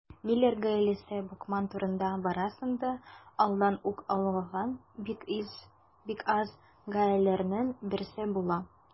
Миллер гаиләсе Бакман турында барысын да алдан ук аңлаган бик аз гаиләләрнең берсе була.